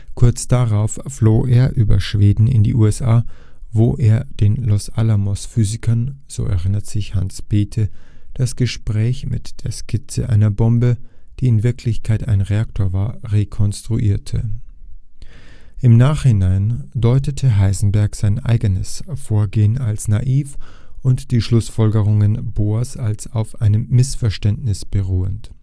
Kurz darauf floh er über Schweden in die USA, wo er den Los Alamos-Physikern – so erinnert sich Hans Bethe – das Gespräch mit der Skizze einer Bombe, die in Wirklichkeit ein Reaktor war, rekonstruierte. Im Nachhinein deutete Heisenberg sein eigenes Vorgehen als naiv und die Schlussfolgerungen Bohrs als auf einem Missverständnis beruhend